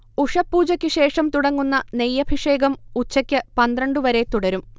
ഉഷഃപൂജക്കുശേഷം തുടങ്ങുന്ന നെയ്യഭിഷേകം ഉച്ചക്ക് പന്ത്രണ്ട് വരെ തുടരും